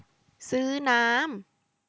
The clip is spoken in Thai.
ซื้อน้ำ